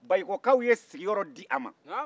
bayikɔkaw ye sigiyɔrɔ d'a ma